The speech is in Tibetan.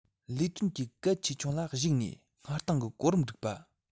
ལས དོན གྱི གལ ཆེ ཆུང ལ གཞིགས ནས སྔ རྟིང གི གོ རིམ སྒྲིག པ